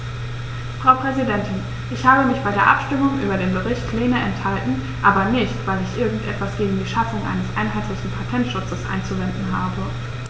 Frau Präsidentin, ich habe mich bei der Abstimmung über den Bericht Lehne enthalten, aber nicht, weil ich irgend etwas gegen die Schaffung eines einheitlichen Patentschutzes einzuwenden habe.